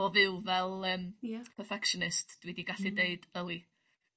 O fyw fel yym... Ia. ...perfectionist dwi 'di gallu deud yli